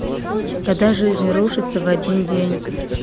когда жизнь рушится в один день